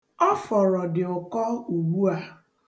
Ọfọrọ dị ụkọ ugbu a.